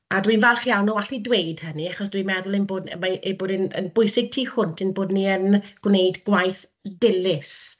A dwi'n falch iawn o allu dweud hynny achos dwi'n meddwl ein bod... ei bod yn yn bwysig tu hwnt ein bod ni yn gwneud gwaith dilys